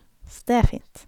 Så det er fint.